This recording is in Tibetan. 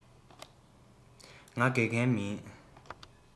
ང དགེ རྒན མིན